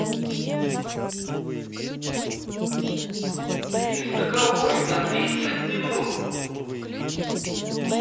триста калорий за тридцать минут